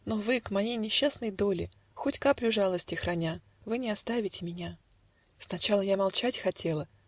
Но вы, к моей несчастной доле Хоть каплю жалости храня, Вы не оставите меня. Сначала я молчать хотела